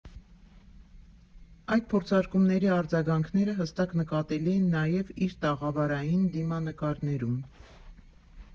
Այդ փորձարկումների արձագանքները հստակ նկատելի են նաև իր տաղավարային դիմանկարներում։